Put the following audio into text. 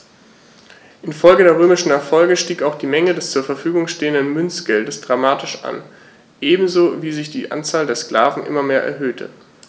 Infolge der römischen Erfolge stieg auch die Menge des zur Verfügung stehenden Münzgeldes dramatisch an, ebenso wie sich die Anzahl der Sklaven immer mehr erhöhte.